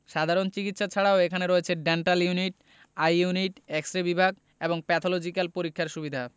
সাধারণ চিকিৎসা ছাড়াও এখানে রয়েছে dental unit eye unit X ray বিভাগ এবং প্যাথলজিক্যাল পরীক্ষার সুবিধা